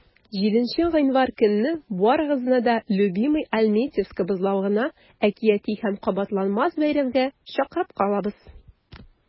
7 гыйнвар көнне барыгызны да "любимыйальметьевск" бозлавыгына әкияти һәм кабатланмас бәйрәмгә чакырып калабыз!